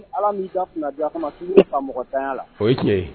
Ala m'i ka fjɔ a kama k' y'o mɔgɔtanya la o ye cɛ ye